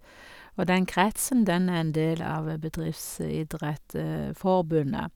Og den kretsen, den er en del av Bedriftsidrettforbundet.